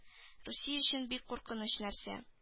Русия өчен бик куркыныч нәрсә